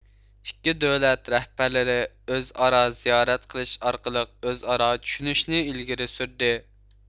ئىككى دۆلاەت رەھبەرلىرى ئۆئارا زىيارەت قىلىش ئارقىلىق ئۆزئارا چۈشىنىشىنى ئىلگىرى سۈردى